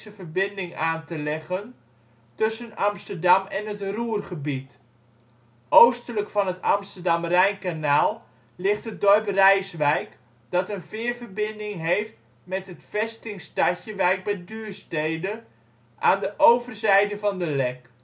verbinding aan te leggen tussen Amsterdam en het Ruhrgebied. Oostelijk van het Amsterdam-Rijnkanaal ligt het dorp Rijswijk, dat een veerverbinding heeft met het vestingstadje Wijk bij Duurstede, aan de overzijde van de Lek